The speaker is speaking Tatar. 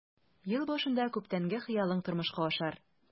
Ел башында күптәнге хыялың тормышка ашар.